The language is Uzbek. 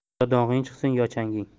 yo dong'ing chiqsin yo changing